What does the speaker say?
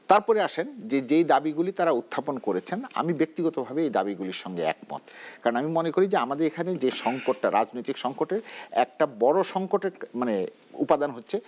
তার পরে আসেন যে যে দাবি গুলি তারা উত্থাপন করেছেন আমি ব্যক্তিগতভাবে এ দাবিগুলির সাথে একমত কারণ আমি মনে করি আমাদের এখানে যে সংকট টা রাজনৈতিক সংকটের একটা বড় সংকটের মানে উপাদান হচ্ছে